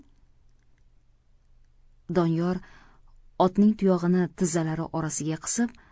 doniyor otning tuyog'ini tizzalari orasiga qisib